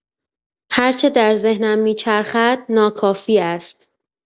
هر چه در ذهنم می‌چرخد، ناکافی است.